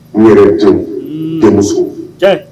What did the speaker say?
N yɛrɛ jɔn bamuso